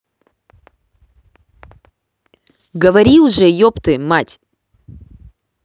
говори уже епты мать